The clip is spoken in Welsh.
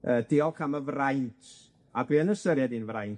yy diolch am y fraint, a dwi yn ystyried 'i'n fraint